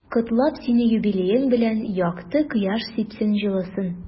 Котлап сине юбилеең белән, якты кояш сипсен җылысын.